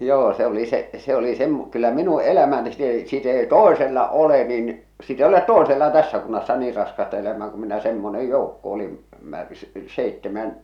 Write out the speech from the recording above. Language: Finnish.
joo se oli se se oli - kyllä minun elämä niin sitten ei sitten ei toisella ole niin sitten ei ole toisella tässä kunnassa niin raskasta elämää kun minä semmoinen joukko oli - seitsemän